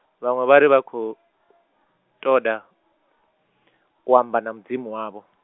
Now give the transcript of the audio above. vhaṅwe vhari vha khou , ṱoḓa, u amba na Mudzimu wavho.